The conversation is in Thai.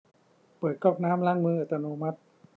เปิดก๊อกน้ำล้างมืออัตโนมัติ